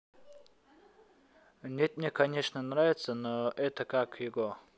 нет мне конечно нравится но это как его